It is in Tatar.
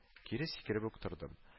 Кире сикереп үк тордым